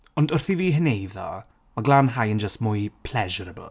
Ond wrth i fi heneiddo. Mae glanhau yn jyst mwy pleasurable.